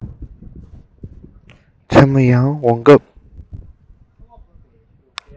མཚན མོ ཡར འོང སྐབས